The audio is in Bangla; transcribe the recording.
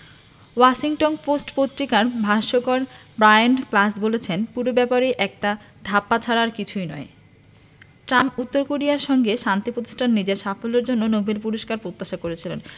ওয়াশিংটন পোস্ট পত্রিকার ভাষ্যকার ব্রায়ান ক্লাস বলেছেন পুরো ব্যাপারই একটা ধাপ্পা ছাড়া আর কিছু নয় ট্রাম্প উত্তর কোরিয়ার সঙ্গে শান্তি প্রতিষ্ঠায় নিজের সাফল্যের জন্য নোবেল পুরস্কার প্রত্যাশা করেছিলেন